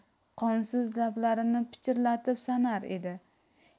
qonsiz lablarini pichirlatib sanar edi